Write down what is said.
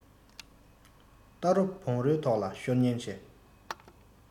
རྟ རོ བོང རོའི ཐོག ལ ཤོར ཉེན ཆེ